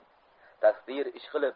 taqdir ishqilib